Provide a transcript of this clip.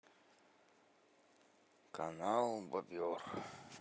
канал бобер